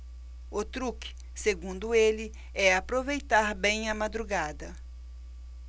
o truque segundo ele é aproveitar bem a madrugada